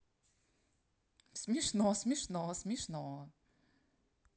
смешно смешно смешно